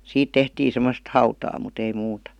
siitä tehtiin semmoista hautaa mutta ei muuta